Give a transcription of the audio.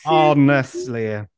Honestly...